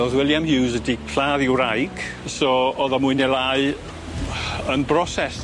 O'dd William Hughes wedi lladd 'i wraig so o'dd o mwy ne' lai yn broses.